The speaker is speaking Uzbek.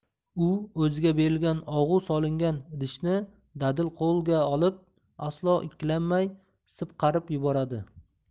u o'ziga berilgan og'u solingan idishni dadil qo'lga olib aslo ikkilanmay sipqarib yuboradi